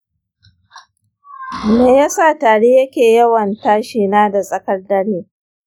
me yasa tari yake yawan tashina da tsakar dare?